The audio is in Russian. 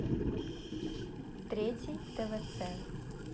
третий твц